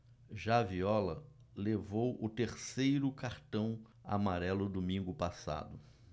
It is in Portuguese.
já viola levou o terceiro cartão amarelo domingo passado